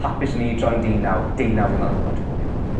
hapus o'n i i troi'n deunaw. Deunaw fi'n meddwl yw'r oedran gore i fod.